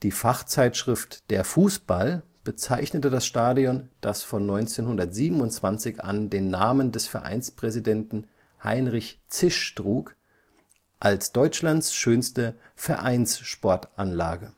Fachzeitschrift Der Fußball bezeichnete das Stadion, das von 1927 an den Namen des Vereinspräsidenten Heinrich Zisch trug, als „ Deutschlands schönste Vereinssportanlage